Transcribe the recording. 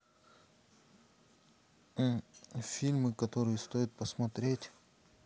фильмы которые стоит посмотреть